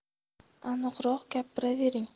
aniqroq gapiravering